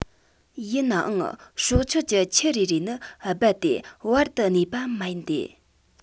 ཡིན ནའང སྲོག ཆགས ཀྱི ཁྱུ རེ རེ ནི རྦད དེ བར དུ གནས པ མ ཡིན ཏེ